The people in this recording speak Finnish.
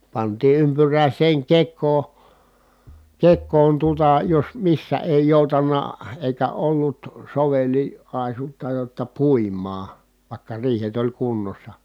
pantiin ympyräiseen kekoon kekoon tuota jos missä ei joutanut eikä ollut - soveliaisuutta jotta puimaan vaikka riihet oli kunnossa